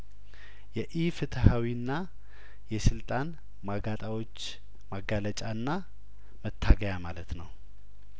የኢፍትሀዊና የስልጣን ማጋጣዎች ማጋለጫና መታገያማለት ነው